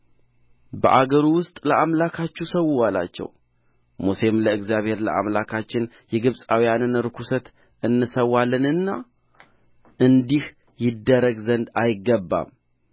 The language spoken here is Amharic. በአገሩ ውስጥ ለአምላካችሁ ሠዉ አላቸው ሙሴም ለእግዚአብሔር ለአምላካችን የግብፃውያንን ርኵሰት እንሰዋለንና እንዲህ ይደረግ ዘንድ አይገባም